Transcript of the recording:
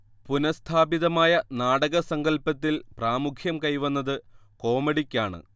പുനഃസ്ഥാപിതമായ നാടകസങ്കല്പത്തിൽ പ്രാമുഖ്യം കൈവന്നത് കോമഡിക്കാണ്